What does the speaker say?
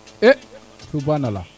e subanala